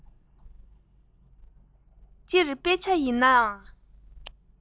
སྤྱིར དཔེ ཆ ཡིན ན ཡང